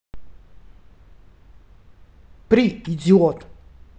при идиот